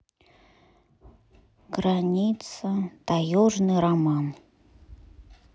граница таежный роман